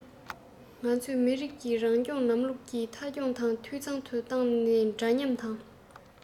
ང ཚོས མི རིགས ས ཁོངས རང སྐྱོང ལམ ལུགས མཐའ འཁྱོངས དང འཐུས ཚང དུ བཏང ནས འདྲ མཉམ དང